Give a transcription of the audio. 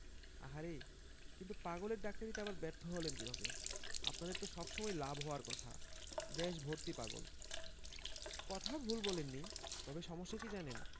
আহা রে কিন্তু পাগলের ডাক্তারিতে আবার ব্যর্থ হলেন কীভাবে আপনাদের তো সব সময়ই লাভ হওয়ার কথা দেশভর্তি পাগল... কথা ভুল বলেননি তবে সমস্যা কি জানেন